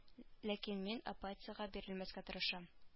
Ләкин мин апатиягә бирелмәскә тырышам